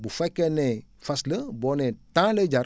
bu fekkee ne fas la boo nee tant lay jar